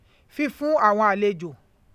Fífún àwọn àlejò.